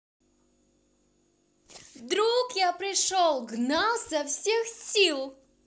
друг я пришел гнал со всех сил